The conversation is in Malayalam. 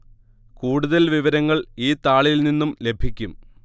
കൂടുതൽ വിവരങ്ങൾ ഈ താളിൽ നിന്നും ലഭിക്കും